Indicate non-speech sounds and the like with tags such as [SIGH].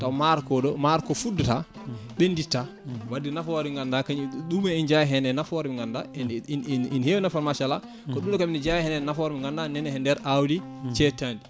taw maaro ko ɗo maaro ko fuddata ɓendinta wadde nafoore nde ganduɗa kañum ɗum ene jeeya hen e nafoore nde ganduɗa [HESITATION] ina heewi nafoore machallah kono ɗum ɗo kam ne jeeya hen nafoore nde ganduɗa nani e nder awdi cettadi